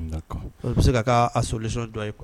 Bɛ se ka' solisi dɔ ye kuwa